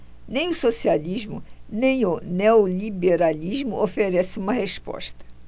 nem o socialismo nem o neoliberalismo oferecem uma resposta